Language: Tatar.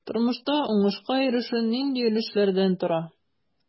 Тормышта уңышка ирешү нинди өлешләрдән тора?